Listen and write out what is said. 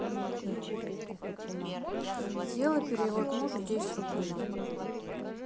сделай перевод мужу десять рублей